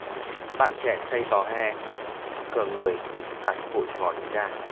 bạn trẻ say tò he cờ người tại hội gò đống đa